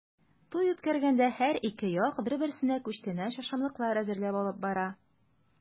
Туй үткәргәндә һәр ике як бер-берсенә күчтәнәч-ашамлыклар әзерләп алып бара.